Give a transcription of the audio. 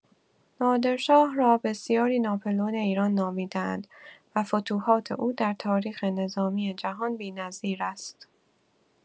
نادرشاه را بسیاری ناپلئون ایران نامیده‌اند و فتوحات او در تاریخ نظامی جهان بی‌نظیر است.